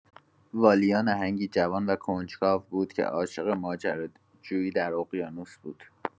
والیا نهنگی جوان و کنجکاو بود که عاشق ماجراجویی در اقیانوس بود.